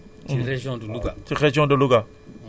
variété yépp moo yam prix yi